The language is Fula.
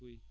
Pouye